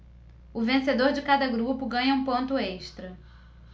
o vencedor de cada grupo ganha um ponto extra